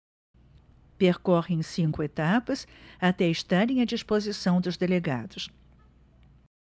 percorrem cinco etapas até estarem à disposição dos delegados